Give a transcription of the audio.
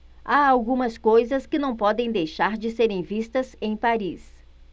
há algumas coisas que não podem deixar de serem vistas em paris